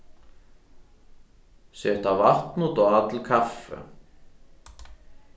seta vatn útá til kaffi